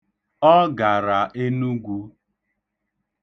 Ọ gara Enugwu.